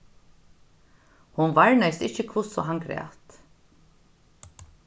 hon varnaðist ikki hvussu hann græt